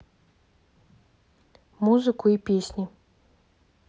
музыку и песни